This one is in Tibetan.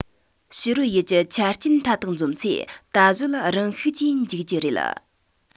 ཕྱི རོལ ཡུལ གྱི ཆ རྐྱེན མཐའ དག འཛོམས ཚེ ད གཟོད རང ཤུགས ཀྱིས འཇིག རྒྱུ རེད